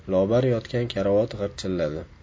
lobar yotgan karavot g'irchilladi